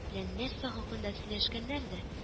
Белән нәрсә хакында сөйләшкәннәрдер